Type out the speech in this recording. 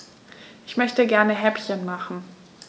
Ich möchte gerne Häppchen machen.